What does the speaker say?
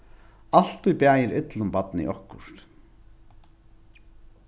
altíð bagir illum barni okkurt